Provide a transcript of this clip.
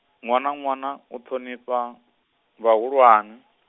ṅwana ṅwana u ṱhonifha, vhahulwane.